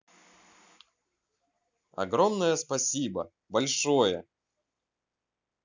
огромное спасибо большое